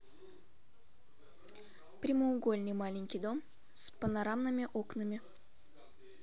прямоугольный маленький дом с панорамными окнами